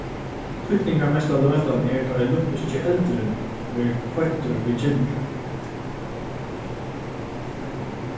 týdningarmesta løtan er tá ið olympiski eldurin verður kveiktur við kyndli